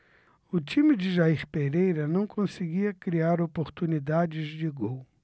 o time de jair pereira não conseguia criar oportunidades de gol